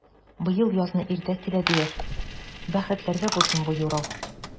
Быел язны иртә килә, диләр, бәхетләргә булсын бу юрау!